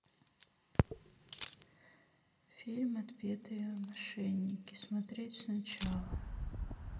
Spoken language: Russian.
фильм отпетые мошенники смотреть сначала